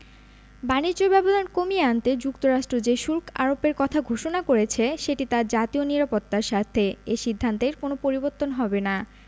বাণিজ্য ব্যবধান কমিয়ে আনতে যুক্তরাষ্ট্র যে শুল্ক আরোপের কথা ঘোষণা করেছে সেটি তার জাতীয় নিরাপত্তার স্বার্থে এ সিদ্ধান্তের কোনো পরিবর্তন হবে না